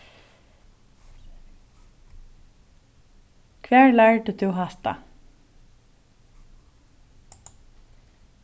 hvar lærdi tú hatta